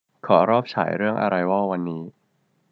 ขอรอบฉายเรื่องอะไรวอลวันนี้